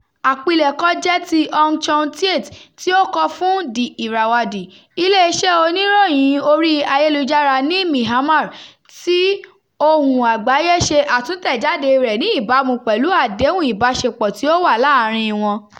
Àpilẹ̀kọ jẹ́ ti Aung Kyaw Htet tí ó kọ́ fún The Irrawaddy, iléeṣẹ́ oníròyìnin orí ayélujára ní Myanmar, tí Ohùn Àgbáyé ṣe àtúntẹ̀jádée rẹ̀ ní ìbámu pẹ̀lú àdéhùn ìbáṣepọ̀ tí ó wà láàárín wọn.